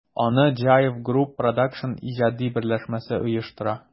Аны JIVE Group Produсtion иҗади берләшмәсе оештыра.